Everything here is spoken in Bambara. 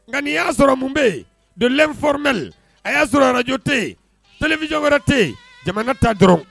Nka n'i y'a sɔrɔ mun bɛ yen de l'informel a y'a sɔrɔ arajo tɛ yen télévision wɛrɛ tɛ yen, jamana ta dɔrɔn